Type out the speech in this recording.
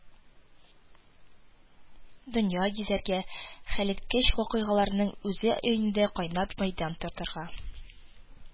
Дөнья гизәргә, хәлиткеч вакыйгаларның үзә ендә кайнап мәйдан тотарга,